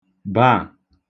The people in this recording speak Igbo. ḃaà